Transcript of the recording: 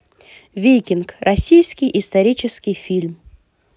викинг российский исторический фильм